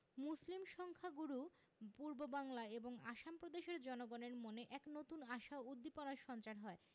মুসলিম সংখ্যাগুরু পূর্ববাংলা ও আসাম প্রদেশের জনগণের মনে এক নতুন আশা ও উদ্দীপনার সঞ্চার হয়